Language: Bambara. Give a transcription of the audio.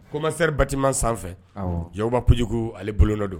Komasɛri batiman sanfɛ yaba p kojugujugu ale bolo dɔ don